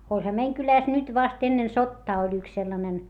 olihan meidän kylässä nyt vasta ennen sotaa oli yksi sellainen